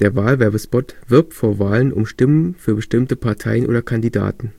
Wahlwerbespot wirbt vor Wahlen um Stimmen für bestimmte Parteien oder Kandidaten